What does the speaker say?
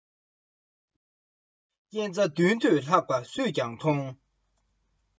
ཆགས པ སྒྲིག དགོས བྱུང ན ཉ སྒྲིག ཡོང